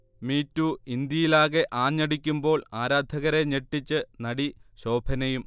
me too ഇന്ത്യയിലാകെ ആഞ്ഞടിക്കുമ്പോൾ ആരാധകരെ ഞെട്ടിച്ച് നടി ശോഭനയും